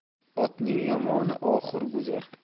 otning yomoni oxur buzar